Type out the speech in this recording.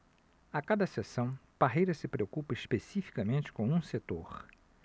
a cada sessão parreira se preocupa especificamente com um setor